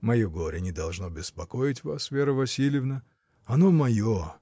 — Мое горе не должно беспокоить вас, Вера Васильевна. Оно — мое.